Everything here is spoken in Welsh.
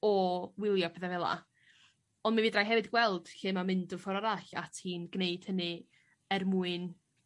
o wyllio petha fel 'a, ond mi fedrai hefyd gweld lle ma' mynd y ffor arall a ti'n gneud hynny er mwyn